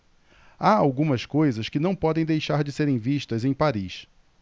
há algumas coisas que não podem deixar de serem vistas em paris